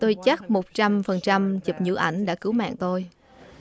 tôi chắc một trăm phần trăm chụp nhũ ảnh đã cứu mạng tôi